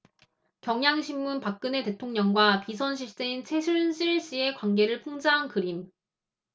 경향신문 박근혜 대통령과 비선실세인 최순실씨의 관계를 풍자한 그림